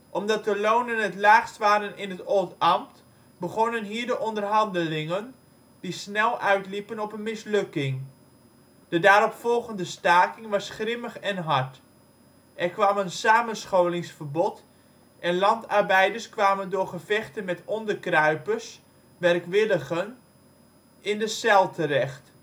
Omdat de lonen het laagst waren in het Oldambt begonnen hier de onderhandelingen, die snel uitliepen op een mislukking. De daaropvolgende staking was grimmig en hard. Er kwam een samenscholingsverbod en landarbeiders kwamen door gevechten met " onderkruipers " (werkwilligen) in de cel terecht